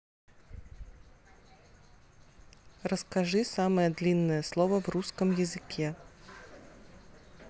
расскажи самое длинное слово в русском языке